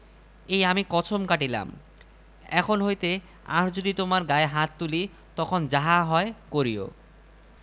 সে মাথা নীচু করিয়া ভাত খাইতে আরম্ভ করিল পাখার বাতাস করিতে করিতে বউ বলিল দেখ আমরা মেয়ে জাত আট কলা বিদ্যা জানি তার ই এক কলা